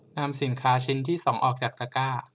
นำสินค้าชิ้นที่สองออกจากตะกร้า